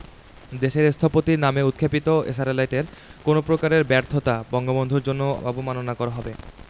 দেশের স্থপতির নামে উৎক্ষেপিত স্যাটেলাইটের কোনো প্রকারের ব্যর্থতা বঙ্গবন্ধুর জন্য অবমাননাকর হবে